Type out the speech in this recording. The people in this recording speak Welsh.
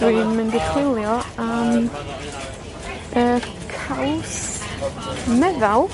dwi'n mynd i chwylio am yr caws meddal